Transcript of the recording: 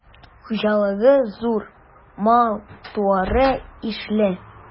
Хуҗалыгы зур, мал-туары ишле.